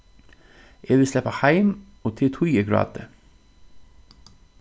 eg vil sleppa heim og tað er tí eg gráti